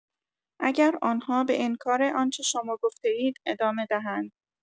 اگر آن‌ها به انکار آنچه شما گفته‌اید ادامه دهند.